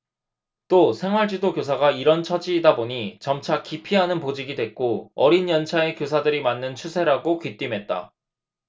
또 생활지도 교사가 이런 처지이다 보니 점차 기피하는 보직이 됐고 어린 연차의 교사들이 맡는 추세라고 귀띔했다